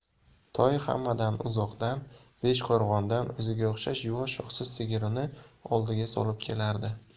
toy hammadan uzoqdan beshqo'rg'ondan o'ziga o'xshash yuvosh shoxsiz sigirini oldiga solib kelardi